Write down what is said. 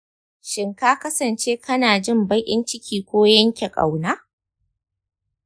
shin ka kasance kana jin baƙin ciki ko yanke ƙauna?